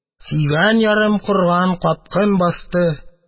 Сөйгән ярым корган капкын басты